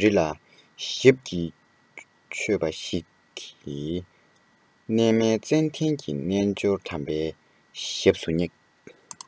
རི ལ ཞབས ཀྱིས ཆོས པ ཞིག གི གནས མལ བཙལ ཏེ རྣལ འབྱོར དམ པའི རྗེས སུ བསྙེགས